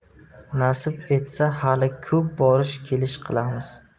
nasib etsa hali ko'p borish kelish qilamiz